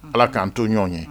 Ala k'an to ɲɔgɔn ye